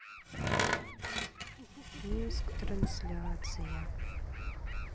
минск трансляция